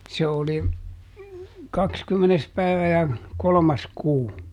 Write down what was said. se oli kaksikymmenes päivä ja kolmas kuu